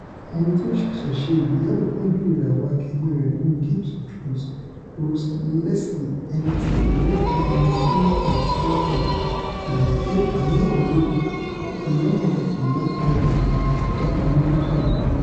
Kit, ẹnití ó ṣẹ̀ṣẹ̀ ṣe ìgbéyàwó pẹ̀lú ìràwọ akẹgbẹ́ rẹ̵̀ nínú Games of Thrones Rose Leslie, ẹnití òun náà jẹ́ ẹni ọdún mọ́kànlélọ́gbọ̀n, gbà wí pé òun náà rò 'lọ́nà tólágbára gidi' nípa mímójútó ọ̀rọ̀ náà.